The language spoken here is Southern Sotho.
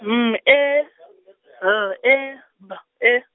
M E , L E, B E.